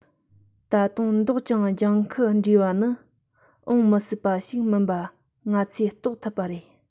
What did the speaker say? ད དུང མདོག ཀྱང ཅུང ལྗང ཁུ འདྲེས པ ནི འོངས མི སྲིད པ ཞིག མིན པ ང ཚོས རྟོགས ཐུབ པ རེད